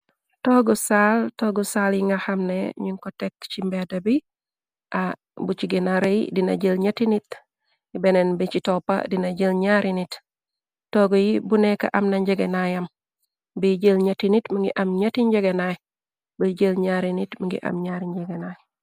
toggu saal toggu saal yi nga xamne ñun ko tekk ci mbedda bi bu ci gina rëy dina jël ñetti nit beneen bi ci toppa dina jël ñaari nit togg yi bu nek am na njegenaay am biy jël ñetti nit mi ngi am ñetti njegenaay bu jël ñaari nit mingi am ñaari njegenaay